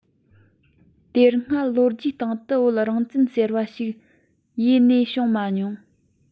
དེ སྔ ལོ རྒྱུས སྟེང དུ བོད རང བཙན ཟེར བ ཞིག ཡེ ནས བྱུང མ མྱོང